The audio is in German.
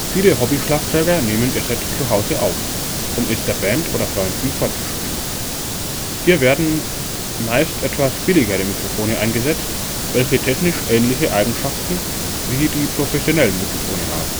Viele Hobbyschlagzeuger nehmen ihr Set zuhause auf, um es der Band oder Freunden vorzuspielen. Hier werden meist etwas billigere Mikrofone eingesetzt, welche technisch ähnliche Eigenschaften wie die professionellen Mikrofone haben